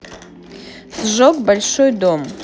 сжег большой дом